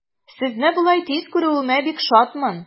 Сезне болай тиз күрүемә бик шатмын.